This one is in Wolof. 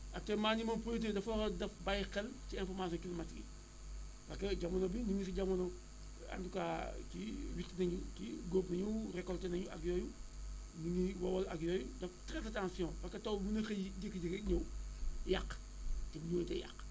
actuellemn nii moom producteur bi dafa war a def bàyyi xel ci information climatique yi parce que jamono bii ñu ngi si jamaono en tout cas ji witti nañu kii góob nañu récolté nañu ak yooyu ñu ngi wowal ak yooyu def très attention parce que taw mën na xëy jékki-jékki rek ñëw yàq te bu ñëwee day yàq